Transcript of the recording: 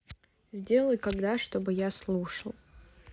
сделай когда чтобы я слушал